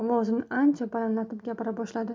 ovozini ancha balandlatib gapira boshladi